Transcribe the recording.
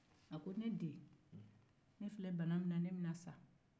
a ko ne den ne filɛ bana min na ne bɛ na sa